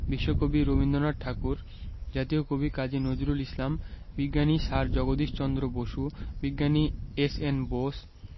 বিশ্বকবি রবীন্দ্রনাথ ঠাকুর জাতীয় কবি কাজী নজরুল ইসলাম বিজ্ঞানী স্যার জগদীশ চন্দ্র বসু বিজ্ঞানী এস.এন বোস